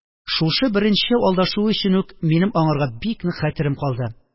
Шушы беренче алдашуы өчен үк минем аңарга бик нык хәтерем калды.